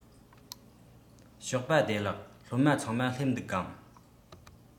ཞོགས པ བདེ ལེགས སློབ མ ཚང མ སླེབས འདུག གམ